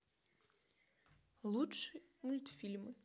лучшие мультфильмы